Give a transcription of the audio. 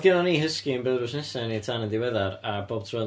Oedd gennon ni husky yn byw drws nesa i ni tan yn ddiweddar a bob tro oedd...